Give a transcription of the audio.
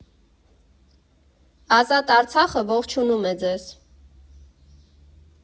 Ազատ Արցախը ողջունում է ձեզ։